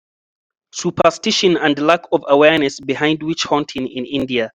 Superstition and lack of awareness behind witch-hunting in India